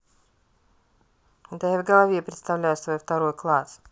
да я в голове представляю свое второй класс